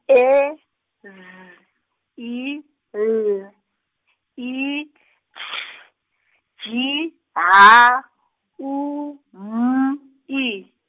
E, Z, I, L, I, T, J, H, U, M, I.